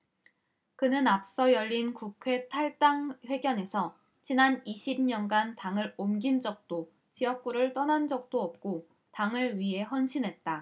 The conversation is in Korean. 그는 앞서 열린 국회 탈당 회견에서 지난 이십 년간 당을 옮긴 적도 지역구를 떠난 적도 없고 당을 위해 헌신했다